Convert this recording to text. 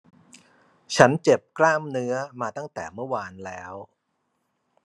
ฉันเจ็บกล้ามเนื้อมาตั้งแต่เมื่อวานแล้ว